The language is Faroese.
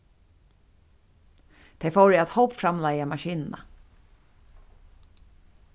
tey fóru at hópframleiða maskinuna